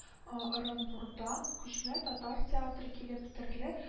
Орынбурдан күчмә татар театры килеп, төрле